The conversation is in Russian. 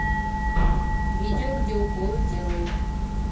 видео где уколы делают